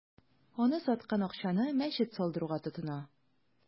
Аны саткан акчаны мәчет салдыруга тотына.